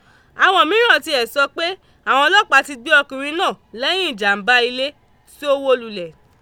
Àwọn mìíràn tiẹ̀ sọ pé àwọn ọlọ́pàá ti gbé ọkùnrin náà lẹ́yìn ìjàm̀bá ilé tí ó wó lulẹ̀.